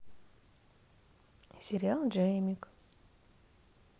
сериал джемик